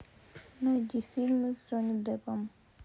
найди фильмы с джонни деппом